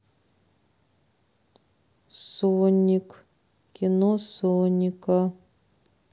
соник кино соника